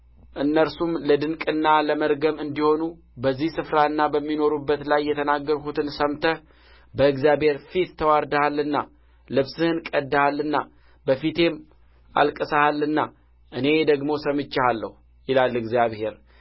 እነርሱም ለድንቅና ለመርገም እንዲሆኑ በዚህ ስፍራና በሚኖሩበት ላይ የተናገርሁትን ሰምተህ በእግዚአብሔር ፊት ተዋርደሃልና ልብስህን ቀድደሃልና በፊቴም አልቅሰሃልና እኔ ደግሞ ሰምቼሃለሁ ይላል እግዚአብሔር